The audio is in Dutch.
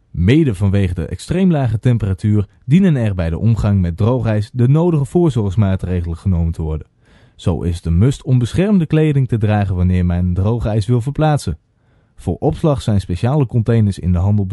Mede vanwege de extreem lage temperatuur dienen er bij de omgang met droogijs de nodige voorzorgsmaatregelen genomen te worden. Zo is het is een must om beschermende kleding te dragen wanneer men droogijs wil verplaatsen. Voor opslag zijn speciale containers in de handel